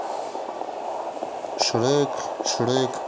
шрэк шрэк